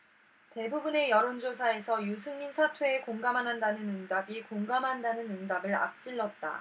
대부분의 여론조사에서 유승민 사퇴에 공감 안 한다는 응답이 공감한다는 응답을 앞질렀다